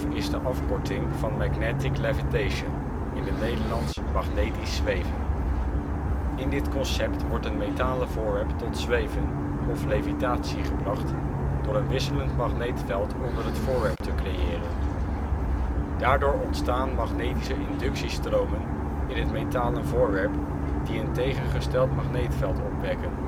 is de afkorting van Magnetic Levitation (Magnetisch Zweven). In dit concept wordt een metalen voorwerp tot zweven (levitatie) gebracht door een wisselend magneetveld onder het voorwerp te creëren. Daardoor ontstaan magnetische inductiestromen in het metalen voorwerp die een tegengesteld magneetveld opwekken